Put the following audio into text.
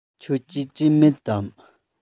ཁྱོད ཀྱིས བྲིས མེད དམ